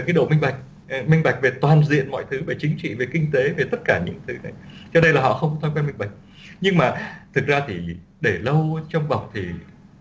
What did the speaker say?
về độ minh bạch minh bạch và toàn diện mọi thứ về chính trị về kinh tế về tất cả những thứ cho nên là họ không quan tâm minh bạch nhưng mà thật lâu thì để lâu trong bọc thì